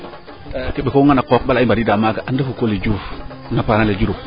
ke ɓekoonga na qooq bala i mbadiida maaga a n refu Coly Diouf a paanale Diouroup